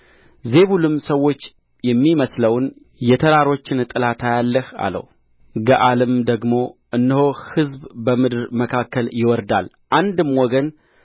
ዜቡልም ሰዎች የሚመስለውን የተራሮችን ጥላ ታያለህ አለው ገዓልም ደግሞ እነሆ ሕዝብ በምድር መካከል ይወርዳል አንድም ወገን